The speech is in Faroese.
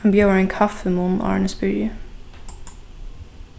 hann bjóðar ein kaffimunn áðrenn eg spyrji